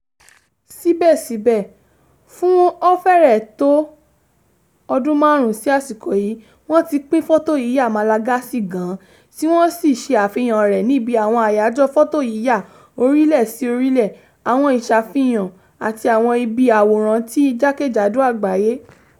Síbẹ̀síbẹ̀, fún ó fèrẹ́ tó ọdún márùn-ún sí àsìkò yìí, wọ́n ti ń pín fọ́tọ̀yíyà Malagasy gan-an tí wọ́n sì ṣe àfihàn rẹ̀ níbi àwọn àyájọ̀ fọ́tọ̀yíyà orílẹ̀-sí-orílẹ̀, àwọn ìsàfihàn, àti àwọn ibi àwòrántí jákèjádò àgbáyé.